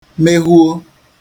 mehùo